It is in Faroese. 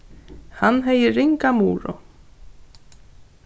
hann hevði ringa muru